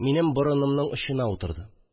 Минем борынымның очына утырды